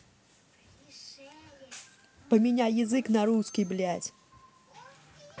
поменяй язык на русский блядь